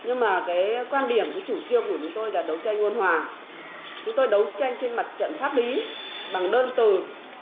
nhưng mà cái quan điểm cái chủ trương của chúng tôi là đấu tranh ôn hòa chúng tôi đấu tranh trên mặt trận pháp lý bằng đơn từ